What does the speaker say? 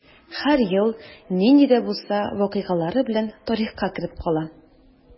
Һәр ел нинди дә булса вакыйгалары белән тарихка кереп кала.